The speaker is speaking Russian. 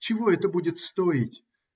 Что это будет стоить!